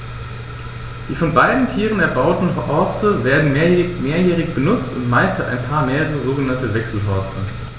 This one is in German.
Die von beiden Tieren erbauten Horste werden mehrjährig benutzt, und meist hat ein Paar mehrere sogenannte Wechselhorste.